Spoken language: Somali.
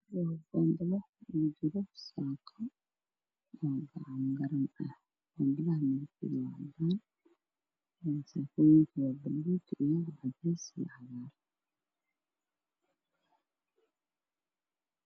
Waa bobilo kujira sako oo garan ah bobilah midabkedu waa cadan sakoyinga waa balug io cades io cagar